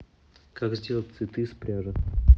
как сделать цветы из пряжи